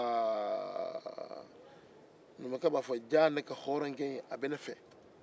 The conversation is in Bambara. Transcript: numukɛ b'a fɔ jaa ne ka hɔrɔnkɛ in bɛ ne fɛ